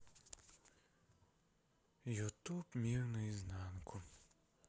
ютуб мир наизнанку